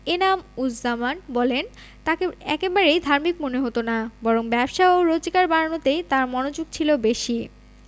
এনাম উজজামান বলেন তাঁকে একেবারেই ধার্মিক মনে হতো না বরং ব্যবসা ও রোজগার বাড়ানোতেই তাঁর মনোযোগ ছিল বেশি